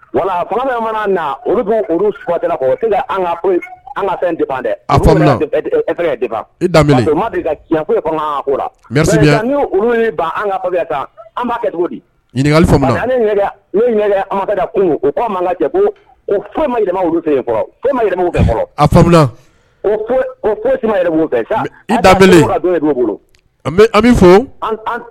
Wa an b'a kɛ di ɲininka an kun o ka jɛ o bɛ